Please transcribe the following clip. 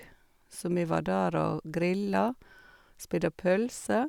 Så vi var der og grilla, spidda pølser.